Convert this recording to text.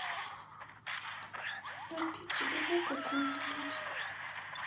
ну пиццу давай какую нибудь